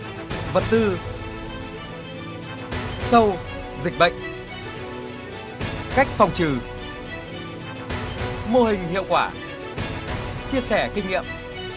vật tư sâu dịch bệnh cách phòng trừ mô hình hiệu quả chia sẻ kinh nghiệm